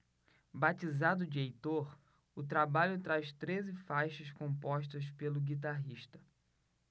batizado de heitor o trabalho traz treze faixas compostas pelo guitarrista